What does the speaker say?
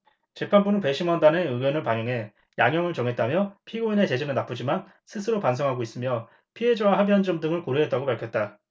재판부는 배심원단의 의견을 반영해 양형을 정했다며 피고인의 죄질은 나쁘지만 스스로 반성하고 있으며 피해자와 합의한 점 등을 고려했다고 밝혔다